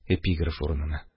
Эпиграф урынына